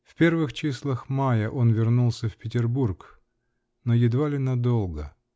В первых числах мая он вернулся в Петербург -- но едва ли надолго.